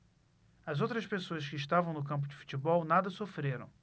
as outras pessoas que estavam no campo de futebol nada sofreram